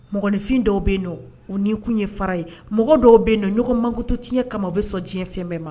Mɔgɔninfin dɔw bɛ yen don u ni kun ye fara ye mɔgɔ dɔw bɛ yen don ɲɔgɔn mankutu tiɲɛɲɛ kama u bɛ sɔn diɲɛ fɛn bɛɛ ma